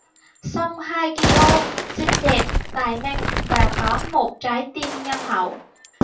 song hye kyo xinh đẹp tài năng và có một trái tim nhân hậu